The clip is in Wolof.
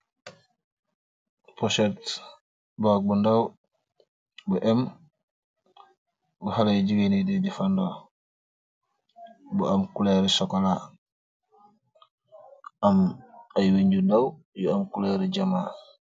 Paset, bag bu ndow bu em bu haleh yu jegain yee de defandu bu am coloor ree sukola am aye Wenche yu ndow yu am coloor jama.